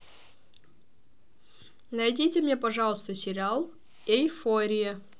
найди мне пожалуйста сериал эйфория